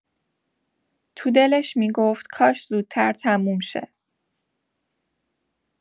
تو دلش می‌گفت «کاش زودتر تموم شه».